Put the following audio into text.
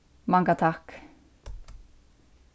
manga takk